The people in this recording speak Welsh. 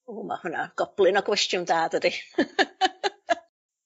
W ma' hwnna goblyn o gwestiwn da dydi? .